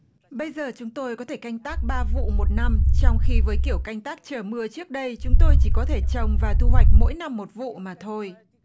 bây giờ chúng tôi có thể canh tác ba vụ một năm trong khi với kiểu canh tác chờ mưa trước đây chúng tôi chỉ có thể trồng và thu hoạch mỗi năm một vụ mà thôi